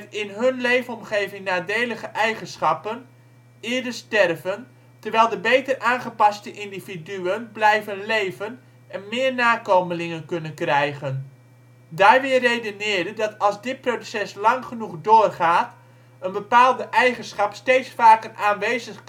in hun leefomgeving nadelige eigenschappen eerder sterven, terwijl de beter aangepaste individuen blijven leven en meer nakomelingen kunnen krijgen. Darwin redeneerde dat als dit proces lang genoeg doorgaat, een bepaalde eigenschap steeds vaker aanwezig